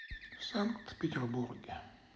в санкт петербурге